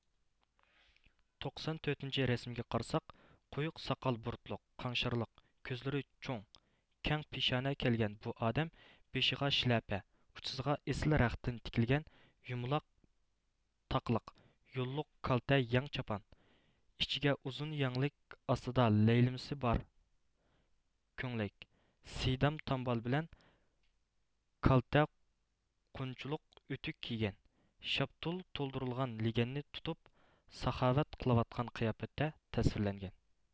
توقسان تۆتىنچى رەسىمگە قارىساق قۇيۇق ساقال بۇرۇتلۇق قاڭشارلىق كۆزلىرى چوڭ چوڭ كەڭ پېشانە كەلگەن بۇ ئادەم بېشىغا شىلەپە ئۇچىسىغا ئېسىل رەختتىن تىكىلگەن يۇمىلاق تاقىلىق يوللۇق كالتە يەڭ چاپان ئىچىگە ئۇزۇن يەڭلىك ئاستىدا لەيلىمىسى بار كۆڭلەك سىدام تامبال بىلەن كالتا قونچىلىق ئۆتۈك كىيگەن شاپتۇل تولدۇرۇلغان لىگەننى تۇتۇپ ساخاۋەت قىلىۋاتقان قىياپەتتە تەسۋىرلەنگەن